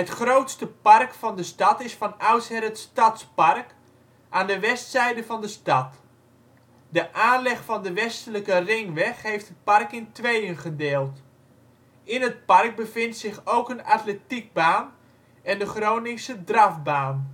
grootste park van de stad is van oudsher het Stadspark, aan de westzijde van de stad. De aanleg van de westelijke Ringweg heeft het park in tweeën gedeeld. In het park bevindt zich ook een atletiekbaan en de Groningse drafbaan